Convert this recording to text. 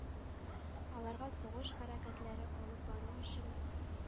Аларга сугыш хәрәкәтләре алып бару өчен